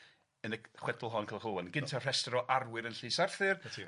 yn y chwedl hon, Culhwch Olwen, gynta rhestyr o arwyr yn Llys Arthur. 'Na ti.